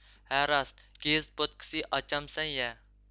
ھە راست گېزىت بوتكىسى ئاچامسەن يا